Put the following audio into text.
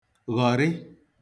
ghọrị